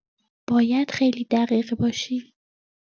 باید خیلی دقیق باشی.